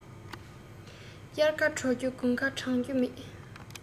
དབྱར ཁ དྲོ རྒྱུ དགུན ཁ གྲང རྒྱུ མེད